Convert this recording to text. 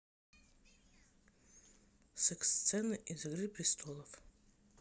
секс сцены из игры престолов